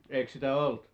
eikö sitä ollut